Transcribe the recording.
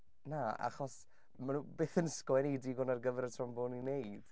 Na, achos maen nhw byth yn sgwennu digon ar gyfer y trombôn i wneud.